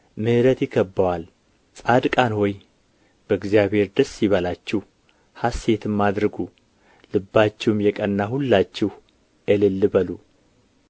ምሕረት ይከብበዋል ጻድቃን ሆይ በእግዚአብሔር ደስ ይበላችሁ ሐሤትም አድርጉ ልባችሁም የቀና ሁላችሁ እልል በሉ